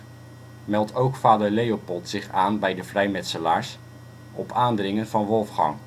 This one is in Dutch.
vader Leopold zich aan bij de vrijmetselaars, op aandringen van Wolfgang